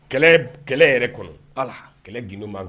Kɛlɛ kɛlɛ yɛrɛ kɔnɔ ala kɛlɛ gdo man kan